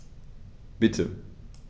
Bitte.